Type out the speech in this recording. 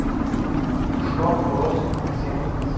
urushqoq xo'roz semirmas